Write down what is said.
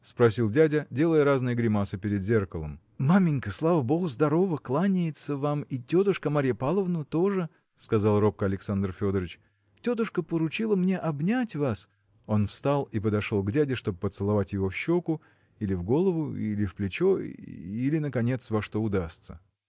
– спросил дядя, делая разные гримасы перед зеркалом. – Маменька слава богу здорова кланяется вам и тетушка Марья Павловна тоже – сказал робко Александр Федорыч. – Тетушка поручила мне обнять вас. – Он встал и подошел к дяде чтоб поцеловать его в щеку или в голову или в плечо или наконец во что удастся.